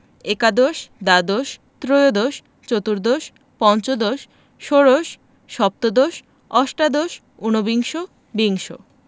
একাদশ দ্বাদশ ত্ৰয়োদশ চতুর্দশ পঞ্চদশ ষোড়শ সপ্তদশ অষ্টাদশ উনবিংশ বিংশ